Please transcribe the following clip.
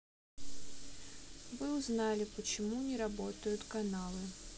вы узнали почему не работают каналы